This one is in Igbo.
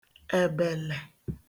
èbèlè